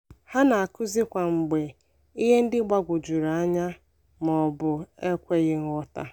Ha na-akuzi kwamgbe ihe ndị mgbagwojuru anya ma ọ bụ ekweghị nghọta.